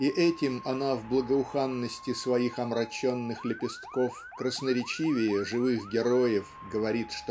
и этим она в благоуханности своих омраченных лепестков красноречивее живых героев говорит